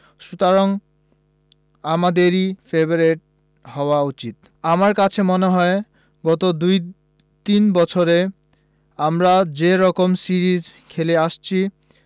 সুতরাং আমাদেরই ফেবারিট হওয়া উচিত আমার কাছে মনে হয় গত দু তিন বছরে আমরা যে রকম সিরিজ খেলে এসেছি